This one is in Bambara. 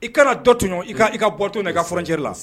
I kana dɔ tɔɲɔ i ka i ka frontière la